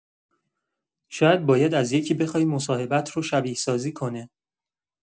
شاید باید از یکی بخوای مصاحبه‌ات رو شبیه‌سازی کنه.